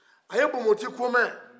a ye bonboti komɛn